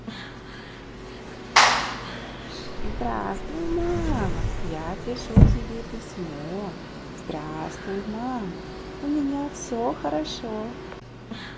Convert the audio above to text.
здравствуй мама я пишу тебе письмо здравствуй мама у меня все хорошо